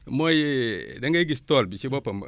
mooy da ngay gis tool bi si boppam